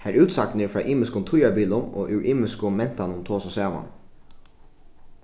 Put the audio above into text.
har útsagnir frá ymiskum tíðarbilum og úr ymiskum mentanum tosa saman